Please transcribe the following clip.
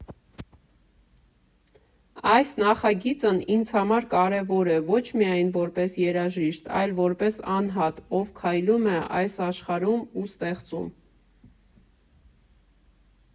Այս նախագիծն ինձ համար կարևոր է ոչ միայն որպես երաժիշտ, այլ որպես անհատ, ով քայլում է այս աշխարհում ու ստեղծում։